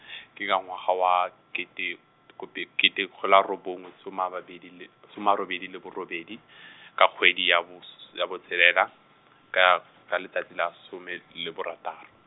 ke ka ngwaga wa kete , kete kgolo a robongwe soma a mabedi le, soma a robedi le borobedi , ka kgwedi ya boss-, ya botshelela, ka , ka letsatsi la some le borataro.